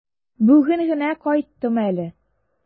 Бүген генә кайттым әле.